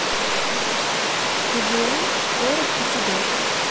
квн город пятигорск